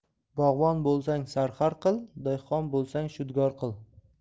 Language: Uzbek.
bog'bon bo'lsang sarxar qil dehqon bo'lsang shudgor qil